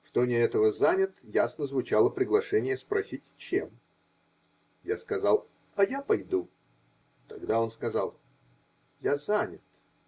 -- В тоне этого "занят" ясно звучало приглашение спросить "чем?" Я сказал: -- А я пойду. Тогда он сказал: -- Я занят.